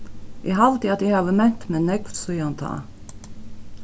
eg haldi at eg havi ment meg nógv síðan tá